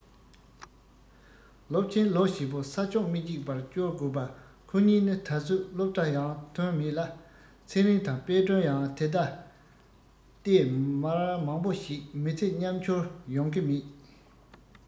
སློབ ཆེན ལོ བཞི པོ ས ཕྱོགས མི གཅིག པར བསྐྱོལ དགོས པ ཁོ གཉིས ནི ད གཟོད སློབ གྲྭ ཡང ཐོན མེད ལ ཚེ རིང དང དཔལ སྒྲོན ཡང དེ ལྟ སྟེ མར མང པོ ཞིག མི ཚེ མཉམ འཁྱོལ ཡོང གི མེད